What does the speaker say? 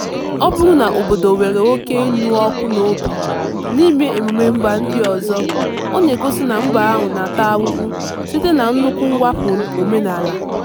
Ọ bụrụ na obodo nwere oke ịnụ ọkụ n'obi n'ime emume mba ndị ọzọ, ọ na-egosi na mba ahụ na-ata ahụhụ site na nnukwu mwakpo omenala.